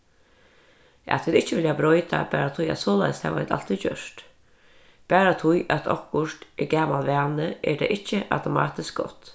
at vit ikki vilja broyta bara tí at soleiðis hava vit altíð gjørt bara tí at okkurt er gamal vani er tað ikki automatiskt gott